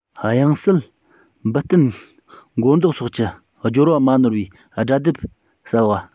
དབྱངས གསལ འཕུལ རྟེན མགོ འདོགས སོགས ཀྱི སྦྱོར བ མ ནོར བའི སྒྲ སྡེབ གསལ བ